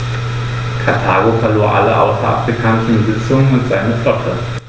Karthago verlor alle außerafrikanischen Besitzungen und seine Flotte.